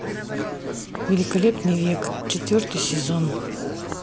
великолепный век четвертый сезон